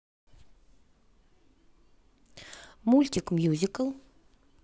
мультик мюзикл